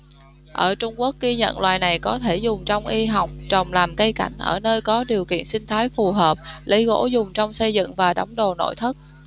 ở trung quốc ghi nhận loài này có thể dùng trong y học trồng làm cây cảnh ở nơi có điều kiện sinh thái phù hợp lấy gỗ dùng trong xây dựng và đóng đồ nội thất